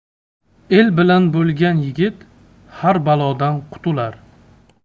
el bilan bo'lgan yigit har balodan qutular